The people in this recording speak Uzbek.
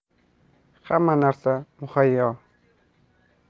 hamma narsa muhayyo